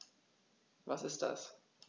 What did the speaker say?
Was ist das?